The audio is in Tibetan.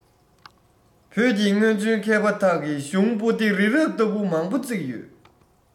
བོད ཀྱི སྔོན བྱོན མཁས པ དག གི གཞུང པོ ཏི རི རབ ལྟ བུ མང བོ བརྩིགས ཡོད